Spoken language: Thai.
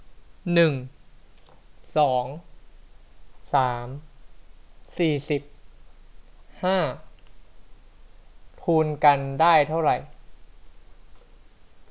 หนึ่งสองสามสี่สิบห้าคูณกันได้เท่าไหร่